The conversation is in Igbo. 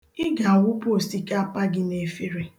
Ị ga-awụpụ osikapa gị n'efere.